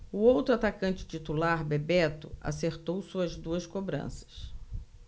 o outro atacante titular bebeto acertou suas duas cobranças